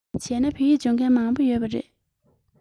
བྱས ན བོད ཡིག སྦྱོང མཁན མང པོ ཡོད པ རེད